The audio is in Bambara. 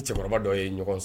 Ni cɛkɔrɔba dɔ ye ɲɔgɔn sɔrɔ